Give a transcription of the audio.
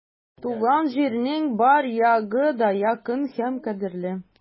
Туган җирнең бар ягы да якын һәм кадерле.